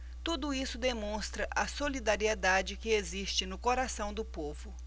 tudo isso demonstra a solidariedade que existe no coração do povo